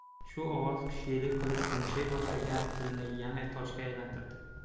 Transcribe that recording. shu ovoz kuchlilik qilib yumshay boshlagan dilni yana toshga aylantirdi